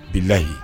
'i layi